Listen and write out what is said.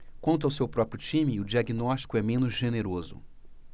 quanto ao seu próprio time o diagnóstico é menos generoso